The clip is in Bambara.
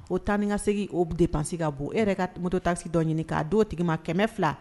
O tan ka seg o de pansi ka bon e yɛrɛ ka tmotɔ tasi dɔ ɲini k'a don tigi ma kɛmɛ fila